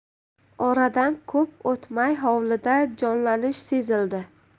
oradan ko'p o'tmay hovlida jonlanish sezildi